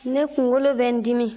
ne kunkolo bɛ n dimi